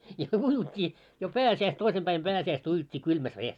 ja uitiin jo - toisen päin pääsiäistä uitiin kylmässä vedessä